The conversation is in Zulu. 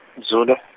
-iZulu.